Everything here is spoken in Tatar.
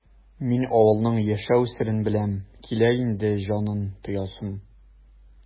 Мин авылның яшәү серен беләм, килә инде җанын тоясым!